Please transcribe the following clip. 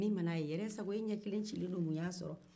min mana a ye yɛrɛsago e ɲɛ kelen cilen don mun kɛra